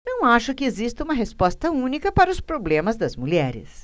não acho que exista uma resposta única para os problemas das mulheres